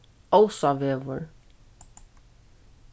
ósávegur